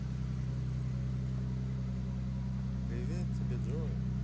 привет тебе джой